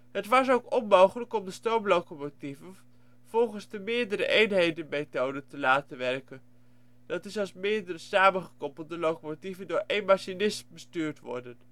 het was ook onmogelijk om de stoomlocomotieven volgens de meerdere-eenheden-methode te laten werken (d.i. als meerdere samengekoppelde locomotieven door één machinist bestuurd worden